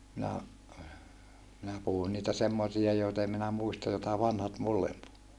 minä minä puhun niitä semmoisia joita en minä muista jota vanhat minulle puhui